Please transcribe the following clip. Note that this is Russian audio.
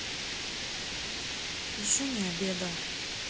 еще не обедал